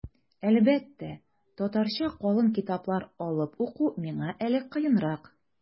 Әлбәттә, татарча калын китаплар алып уку миңа әле кыенрак.